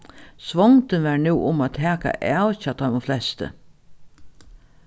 svongdin var nú um at taka av hjá teimum flestu